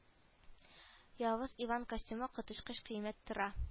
Явыз иван костюмы коточкыч кыйммәт тора